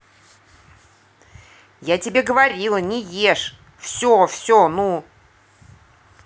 я тебе говорила не ешь все все ну